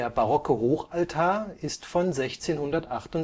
barocke Hochaltar ist von 1668